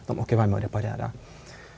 da må dere være med å reparere.